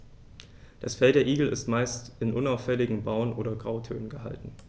Das Fell der Igel ist meist in unauffälligen Braun- oder Grautönen gehalten.